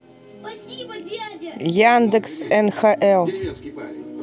яндекс нхл